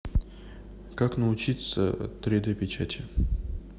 как научиться три д печати